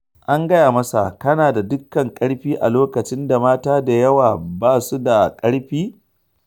An gaya masa, “kana da dukkan ƙarfi a loƙacin da mata da yawa ba su da ƙarfi.””